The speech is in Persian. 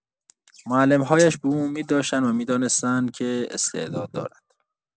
معلم‌هایش به او امید داشتند و می‌دانستند که استعداد دارد.